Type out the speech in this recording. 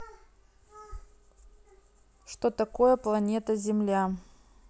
что такое планета земля